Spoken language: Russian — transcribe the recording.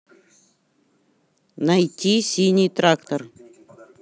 найти синий трактор